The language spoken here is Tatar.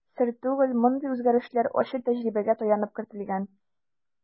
Сер түгел, мондый үзгәрешләр ачы тәҗрибәгә таянып кертелгән.